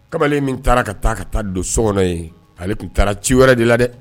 Kamalen min taara ka taa ka taa don so kɔnɔ ye ale tun taara ci wɛrɛ de la dɛ